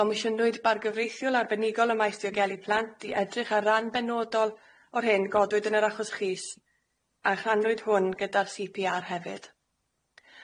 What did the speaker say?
Gomosiynwyd bargyfreithiol arbenigol y maes diogelu plant i edrych ar ran benodol o'r hyn godwyd yn yr achos chys, a chrannwyd hwn gyda'r See Pee Are hefyd.